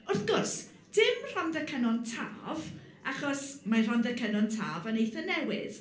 Wrth gwrs, dim Rhondda Cynon Taf, achos mae Rhondda Cynon Taf yn eitha newydd.